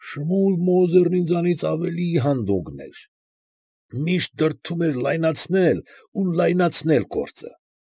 Շմուլ Մոզերն ինձանից ավելի հանդուգն էր. միշտ դրդում էր լայնացնել ու լայնացնել գործը։